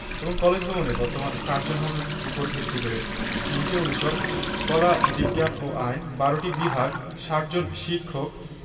এবং কলেজ ভবনের বর্তমান কার্জন হল উপর ভিত্তি করে ৩টি অনুষদ কলা বিজ্ঞান ও আইন ১২টি বিভাগ ৬০ জন শিক্ষক